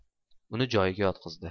uni joyiga yotqizdi